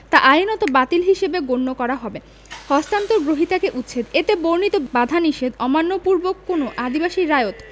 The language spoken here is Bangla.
তা আইনত বাতিল হিসেবে গণ্য করা হবে ২ হস্তান্তর গ্রহীতাকে উচ্ছেদ এতে বর্ণিত বাধানিষেধ অমান্যপূর্বক কোন আদিবাসী রায়ত